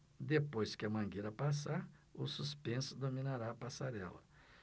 depois que a mangueira passar o suspense dominará a passarela